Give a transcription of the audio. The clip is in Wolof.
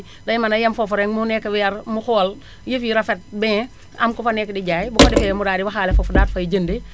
day mën a yem foofu rekk mu nekk verre mu xool yëf yi rafet bien am ku fa nekk di jaay bu ko defee mu daal di waxaale foofu daal di fay jëndee